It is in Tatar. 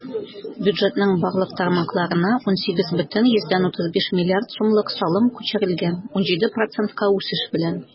Бюджетның барлык тармакларына 18,35 млрд сумлык салым күчерелгән - 17 процентка үсеш белән.